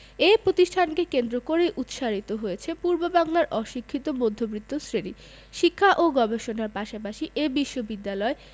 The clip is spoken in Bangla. এ প্রতিষ্ঠানকে কেন্দ্র করেই উৎসারিত হয়েছে পূর্ববাংলার শিক্ষিত মধ্যবিত্ত শ্রেণি শিক্ষা ও গবেষণার পাশাপাশি এ বিশ্ববিদ্যালয়